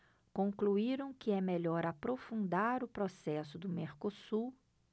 concluíram que é melhor aprofundar o processo do mercosul